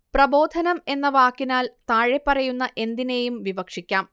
പ്രബോധനം എന്ന വാക്കിനാൽ താഴെപ്പറയുന്ന എന്തിനേയും വിവക്ഷിക്കാം